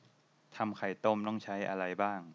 ทำไข่ต้มต้องใช้อะไรบ้าง